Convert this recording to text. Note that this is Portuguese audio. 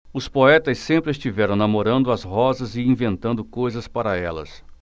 os poetas sempre estiveram namorando as rosas e inventando coisas para elas